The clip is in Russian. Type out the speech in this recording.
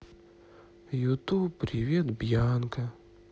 ютуб привет бьянка